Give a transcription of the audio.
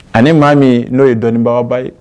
Ani ni maa min n'o ye dɔnniibaaba ye